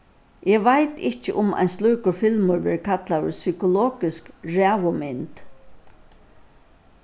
eg veit ikki um ein slíkur filmur verður kallaður psykologisk ræðumynd